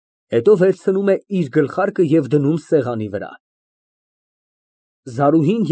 Հետո վերցնում է իր գլխարկը և դնում սեղանի վրա)։